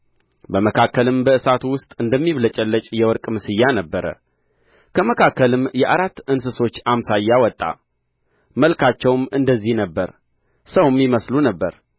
በመካከልም በእሳቱ ውስጥ እንደሚብለጨለጭ የወርቅ ምስያ ነበረ ከመካከልም የአራት እንስሶች አምሳያ ወጣ መልካቸውም እንደዚህ ነበረ ሰውም ይመስሉ ነበር